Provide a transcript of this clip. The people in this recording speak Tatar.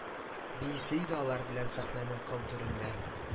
Биисе иде алар белән сәхнәнең кыл түрендә